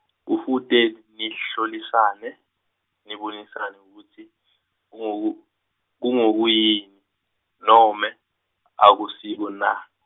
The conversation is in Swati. kufute nihlolisane, nibonisane kutsi kunguko, kunguko yini nome akusiko na?